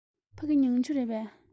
ཕ གི མྱང ཆུ རེད པས